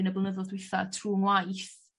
yn y blynyddodd dwitha trw' 'ngwaith.